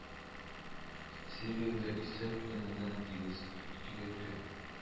Сериядә исәп янәдән тигез -икегэ ике